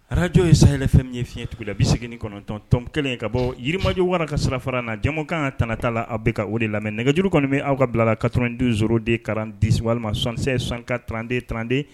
Arajo ye sayɛlɛfɛn min ye fiɲɛɲɛtigɛ la bi89tɔn kelen in ka bɔ yiriirimaj waa ka sira fara na jama kan ka tta a bɛ ka o de lamɛn nɛgɛjuru kɔni aw ka bila la katrendizo de karan disi walima son72ka trandenranden